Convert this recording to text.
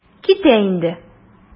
Китә инде.